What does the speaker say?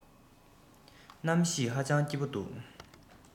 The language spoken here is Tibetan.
གནམ གཤིས ཧ ཅང སྐྱིད པོ འདུག